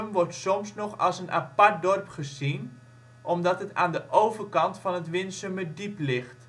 wordt soms nog als een apart dorp gezien, omdat het aan de overkant van het Winsumerdiep ligt